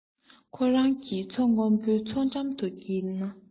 ཁོ རང གི མཚོ སྔོན པོའི མཚོ འགྲམ དུ འགྲེངས ནས